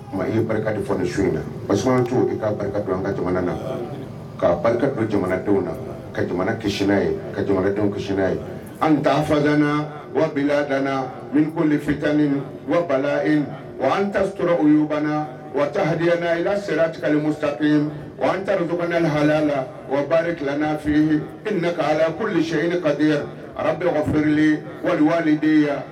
I barika de fɔonisiw in na parce an cogo i ka barika don an ka jamana na ka barika don jamanadenw na ka jamana kiina ye ka jamanadenw kiina ye an tafadana walaana minkoli fitani wala wa an ta sɔrɔ u' banna waati hayaana i seratili muta wa an ta hayala wari tila'fi i'la kolisi i ni kadiya a bɛ fɛli waliwa de yan